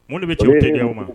Mun de be